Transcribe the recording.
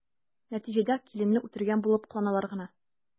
Нәтиҗәдә киленне үтергән булып кыланалар гына.